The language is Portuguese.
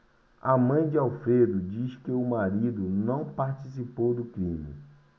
a mãe de alfredo diz que o marido não participou do crime